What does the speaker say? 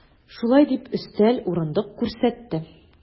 Шулай дип, өстәл, урындык күрсәтте.